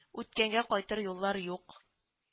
Үткәнгә кайтыр юллар юк…